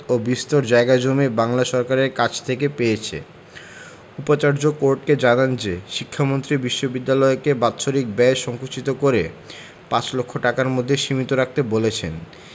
ও বিস্তর জায়গা জমি বাংলা সরকারের কাছ থেকে পেয়েছে উপাচার্য কোর্টকে জানান যে শিক্ষামন্ত্রী বিশ্ববিদ্যালয়কে বাৎসরিক ব্যয় সংকুচিত করে পাঁচ লক্ষ টাকার মধ্যে সীমিত রাখতে বলেছেন